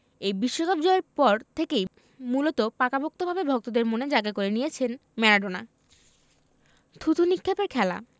এই বিশ্বকাপ জয়ের পর থেকেই মূলত পাকাপোক্তভাবে ভক্তদের মনে জায়গা করে নিয়েছেন ম্যারাডোনা থুতু নিক্ষেপের খেলা